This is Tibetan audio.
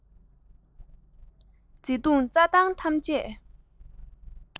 མཛེས སྡུག རྩྭ ཐང ཐམས ཅད